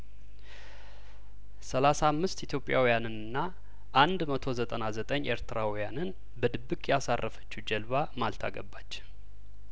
ሰላሳ አምስት ኢትዮጵያውያንንና አንድ መቶ ዘጠና ዘጠኝ ኤርትራውያንን በድብቅ ያሳረፈችው ጀልባ ማልታ ገባች